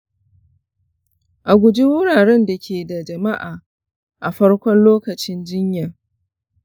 a guji wuraren da ke da jama'a a farkon lokacin jinya.